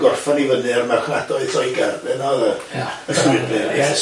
gorffan i fyny yn marchnadoedd Lloegar dyna oedd o